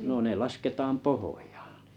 no ne lasketaan pohjaan